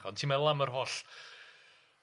Ond ti'n me'wl am yr holl